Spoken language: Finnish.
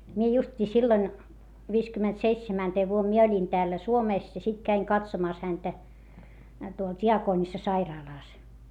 minä justiinsa silloin viisikymmentäseitsemäntenä vuonna minä olin täällä Suomessa ja sitten kävin katsomassa häntä tuolla diakonissasairaalassa